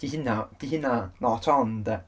'Di hynna, 'di hynna not on 'de.